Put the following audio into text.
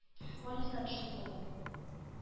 Гали зат шул була...